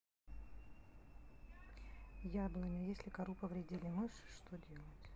яблоня если кору повредили мыши что делать